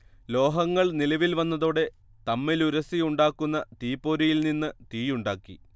ലോഹങ്ങൾ നിലവിൽ വന്നതോടെ തമ്മിലുരസി ഉണ്ടാക്കുന്ന തീപൊരിയിൽനിന്ന് തീയുണ്ടാക്കി